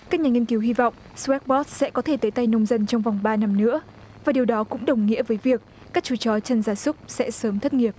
các nhà nghiên cứu hy vọng sờ rét oác sẽ có thể tới tay nông dân trong vòng ba năm nữa và điều đó cũng đồng nghĩa với việc các chú chó chăn gia súc sẽ sớm thất nghiệp